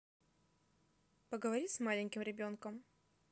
поговори с маленьким ребенком